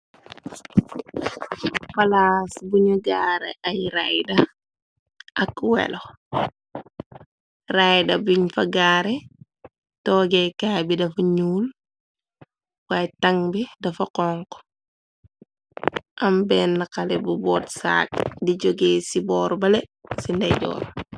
Palaas buñu gaare ay ryda ak welo ryda biñ fa gaare toogekaay bi dafa ñuul waay tanbe dafa xonk am benn xale bu boot saak di jógee ci boor bale ci ndejoor.